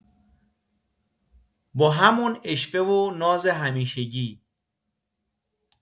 با همون عشوه و ناز همیشگی